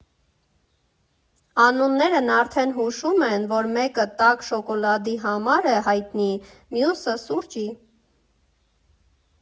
Անուններն արդեն հուշում են, որ մեկը տաք շոկոլադի համար է հայտնի, մյուսը՝ սուրճի։